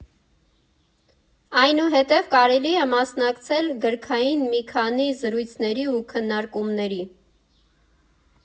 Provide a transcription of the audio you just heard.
Այնուհետև կարելի է մասնակցել գրքային մի քանի զրույցների ու քննարկումների։